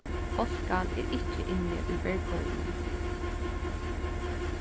hálkan er ikki inni í bergholinum